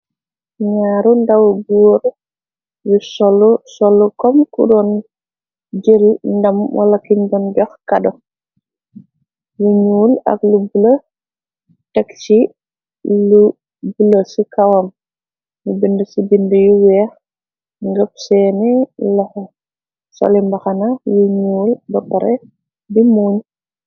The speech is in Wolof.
Nyaari ndaw góur yu solu kom kuroon jër ndam wala kiñ daon jox kado. Yu ñuul ak lu blë teg ci lu blë ci kawam lu bind ci bind yu weex.Ngëp seeni loxu solimbaxana yu ñuul boppare bi muuñ.